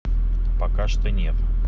пока что нет